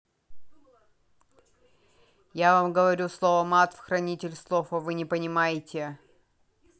я вам говорю слово мат в хранитель слов а вы не понимаете